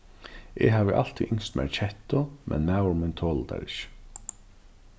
eg havi altíð ynskt mær kettu men maður mín tolir tær ikki